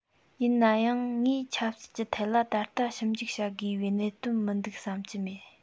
ཡིན ན ཡང ངས ཆབ སྲིད ཀྱི ཐད ལ ད ལྟ ཞིབ འཇུག བྱ དགོས པའི གནད དོན མི འདུག བསམ གྱི མེད